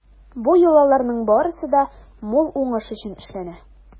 Бу йолаларның барысы да мул уңыш өчен эшләнә.